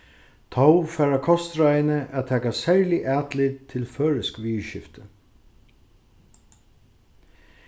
tó fara kostráðini at taka serlig atlit til føroysk viðurskifti